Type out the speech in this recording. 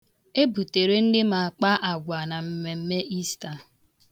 Ebuteere nne m akpa agwa na mmemme Ista.